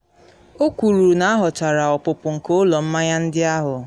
O kwuru na aghọtara ọpụpụ nke ụlọ mmanya ndị ahụ.